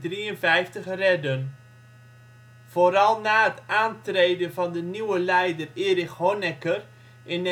1953 redden. Vooral na het aantreden van de nieuwe leider Erich Honecker in